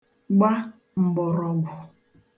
gba m̀gbọ̀rọ̀gwụ̀